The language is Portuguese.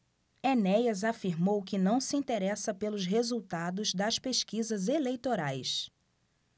enéas afirmou que não se interessa pelos resultados das pesquisas eleitorais